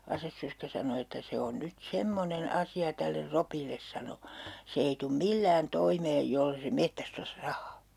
asessorska sanoi että se on nyt semmoinen asia tälle Ropille sanoi se ei tule millään toimeen jos ei se metsästä ottaisi rahaa